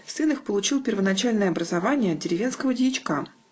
Сын их получил первоначальное образование от деревенского дьячка.